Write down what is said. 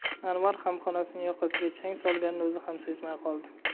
anvar hamxonasining yoqasiga chang solganini o'zi ham sezmay qoldi